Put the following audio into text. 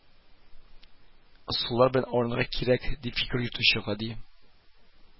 Ысуллар белән арынырга кирәк , дип фикер йөртүче гади